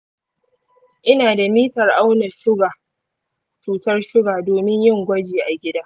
ina da mitar auna cutar suga domin yin gwaji a gida.